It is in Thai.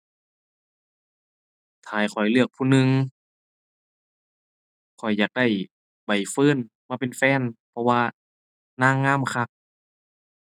ถ้าให้ข้อยเลือกผู้หนึ่ง ข้อยอยากได้ใบเฟิร์นมาเป็นแฟน เพราะว่านางงามคัก